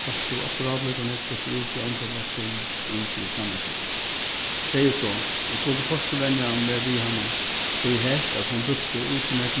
fært tú akkurát líka nógv burtur úr tí einfalda sum úr tí samansetta treyðugt so eg skuldi kortini venja meg við hana tí eg helt at hon brúkti í so nógv